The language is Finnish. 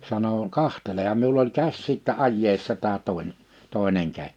sanoi katselehan minulla oli käsi sitten ajeessa tämä toinen toinen -